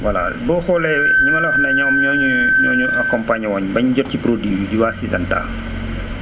voilà boo xoolee ñi ma la wax ne ñoom ñoo ñu ñoo ñu accompagné woon bañ jot ci produit bi di waa Suzenta